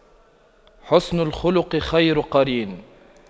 حُسْنُ الخلق خير قرين